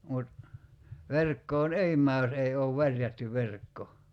mutta verkkoon ei mene jos ei ole värjätty verkko